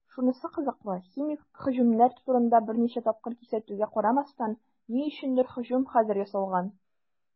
Шунысы кызыклы, химик һөҗүмнәр турында берничә тапкыр кисәтүгә карамастан, ни өчендер һөҗүм хәзер ясалган.